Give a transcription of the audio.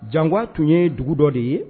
Jango tun ye dugu dɔ de ye